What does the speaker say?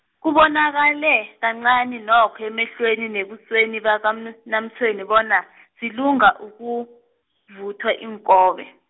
kubonakale, kancani nokho emehlweni nebusweni bakaNa- NaMtshweni bona, zilinga ukuvuthwa iinkobe.